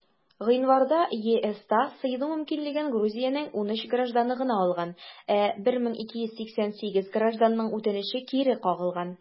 Гыйнварда ЕСта сыену мөмкинлеген Грузиянең 13 гражданы гына алган, ә 1288 гражданның үтенече кире кагылган.